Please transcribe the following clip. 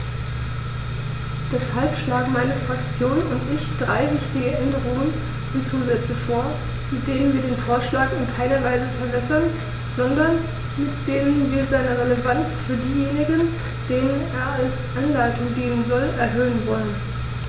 Deshalb schlagen meine Fraktion und ich drei wichtige Änderungen und Zusätze vor, mit denen wir den Vorschlag in keiner Weise verwässern, sondern mit denen wir seine Relevanz für diejenigen, denen er als Anleitung dienen soll, erhöhen wollen.